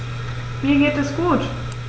Mir geht es gut.